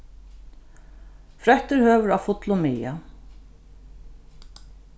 frótt er høvur á fullum maga